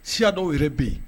Siya dɔw yɛrɛ be yen.